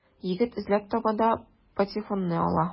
Егет эзләп таба да патефонны ала.